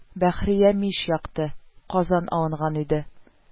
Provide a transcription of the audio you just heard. Бәхрия мич якты, казан алынган иде